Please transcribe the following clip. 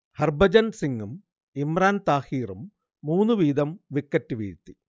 ഹർഭജൻ സിങ്ങും ഇമ്രാൻ താഹിറും മൂന്ന് വീതം വിക്കറ്റ് വീഴ്ത്തി